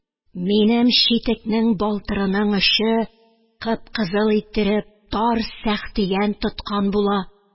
Минем читекнең балтырының очы кып-кызыл иттереп тар сәхтиян тоткан була